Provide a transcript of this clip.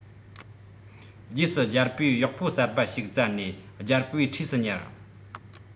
རྗེས སུ རྒྱལ པོས གཡོག པོ གསར པ ཞིག བཙལ ནས རྒྱལ པོའི འཁྲིས སུ ཉར